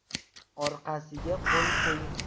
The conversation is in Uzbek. orqasiga qo'l qo'ying